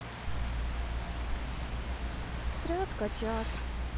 отряд котят